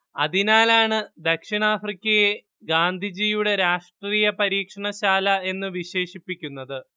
അതിനാലാണ് ദക്ഷിണാഫ്രിക്കയെ ഗാന്ധിജിയുടെ രാഷ്ട്രീയ പരീക്ഷണ ശാല എന്നു വിശേഷിപ്പിക്കുന്നത്